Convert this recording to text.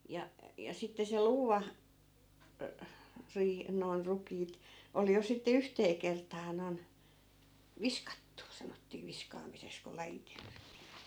ja ja sitten se luuva -- noin rukiit oli jo sitten yhteen kertaan noin viskattu sanottiin viskaamiseksi kun lajiteltiin